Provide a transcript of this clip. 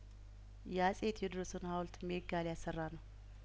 የአጼ ቴዎድሮስን ሀውልት ሜጋ ሊያሰራ ነው